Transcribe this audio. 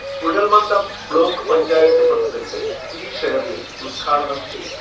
കുഴൽമന്ദം block panchayat president P. Shirley ഉദ്ഘാടന ംചെയ്തു